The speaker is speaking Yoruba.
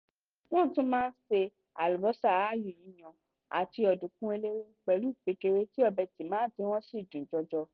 Wọ́n tún máa ń se àlùbọ́sà aáyù yíyan àti ọ̀dùnkún eléwé, pẹ̀lú ìpékeré tí ọbẹ̀ tìmáàtì wọn sì dùn jọjọ.